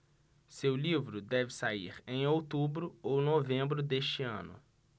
seu livro deve sair em outubro ou novembro deste ano